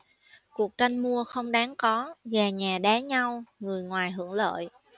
cuộc tranh mua không đáng có gà nhà đá nhau người ngoài hưởng lợi